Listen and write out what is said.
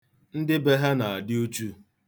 Ndị be ha na-adị uchu.